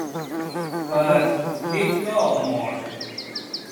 เปิดดิสโก้โหมด